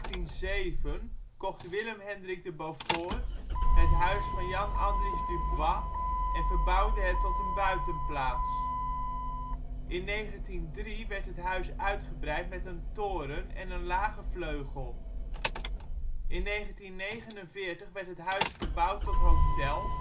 In 1807 kocht Willem Hendrik de Beaufort het huis van Jan Andries du Bois en verbouwde het tot een buitenplaats. In 1903 werd het huis uitgebreid met een toren en een lage vleugel. In 1949 werd het huis verbouwd tot hotel